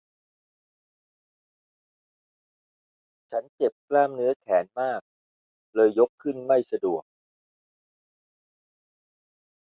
ฉันเจ็บกล้ามเนื้อแขนมากเลยยกขึ้นไม่สะดวก